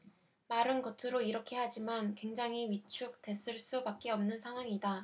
말은 겉으로는 이렇게 하지만 굉장히 위축됐을 수밖에 없는 상황이다